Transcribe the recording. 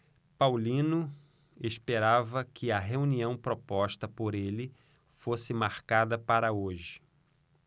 paulino esperava que a reunião proposta por ele fosse marcada para hoje